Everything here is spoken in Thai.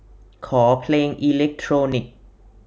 ขอเพลงอิเลกโทรนิค